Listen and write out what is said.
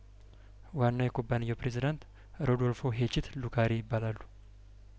ዋናው የኩባንያው ፕሬዚዳንት ሮዶልፎ ሄች ትሉ ካሪ ይባላሉ